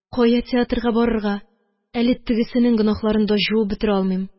Кая театрга барырга, әле тегесенең гөнаһларын да җуып бетерә алмыйм